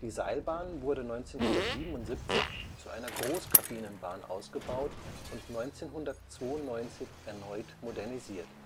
Seilbahn wurde 1977 zu einer Großkabinenbahn ausgebaut und 1992 erneut modernisiert